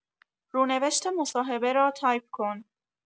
رونوشت مصاحبه را تایپ کن.